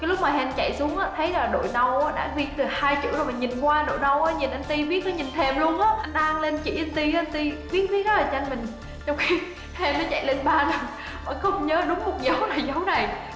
cái lúc mà hen chạy xuống á thấy là đội nâu á đã viết được hai chữ rồi mà nhìn qua đội nâu á nhìn anh tim viết á nhìn thèm luôn á anh đan lên chỉ anh ti á anh ti viết viết rất là nhanh trong khi hen nó chạy lên ba lần vẫn không nhớ đúng một dấu là dấu này